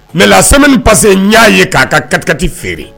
Mais la semaine passée ɲ'a ye k'a ka 4 - 4 feere